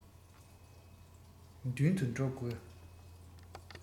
མདུན དུ འགྲོ དགོས